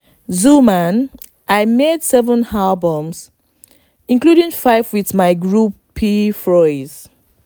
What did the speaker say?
Xuman I made 7 albums, including 5 with my group Pee Froiss.